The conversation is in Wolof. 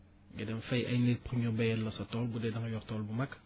nga dem fay ay nit pour ñu bayal la sa tool bu dee da nga yor tool bu mag